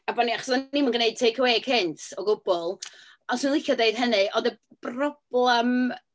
A bo' ni... achos o'n ni'm yn gwneud tecawê cynt, o gwbl. Ond 'swn i'n licio deud hynny, ond y broblem...